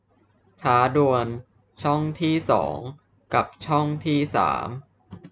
ท้าดวลช่องที่สองกับช่องที่สาม